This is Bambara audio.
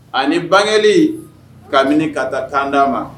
Ani bangeli ka mini ka taa kanda ma